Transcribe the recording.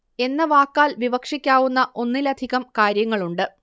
എന്ന വാക്കാൽ വിവക്ഷിക്കാവുന്ന ഒന്നിലധികം കാര്യങ്ങളുണ്ട്